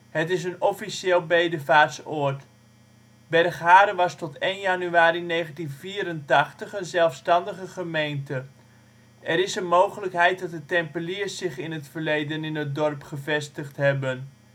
Het is een officieel bedevaartsoord. Bergharen was tot 1 januari 1984 een zelfstandige gemeente. Er is een mogelijkheid dat de tempeliers zich in het verleden in het dorp gevestigd hebben